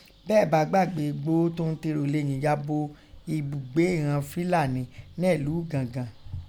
Bẹ̀ẹ ba gbagbe, Igboho tòun tèrò leyin yabo ebugbe ìghọn Fílàní nẹ́lùu Ìgàngàn.